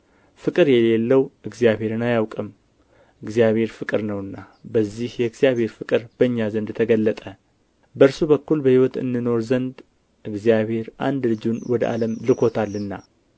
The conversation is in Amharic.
ፍቅር የሌለው እግዚአብሔርን አያውቅም እግዚአብሔር ፍቅር ነውና በዚህ የእግዚአብሔር ፍቅር በእኛ ዘንድ ተገለጠ በእርሱ በኩል በሕይወት እንኖር ዘንድ እግዚአብሔር አንድ ልጁን ወደ ዓለም ልኮታልና